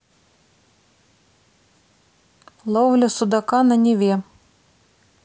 ловля судака на неве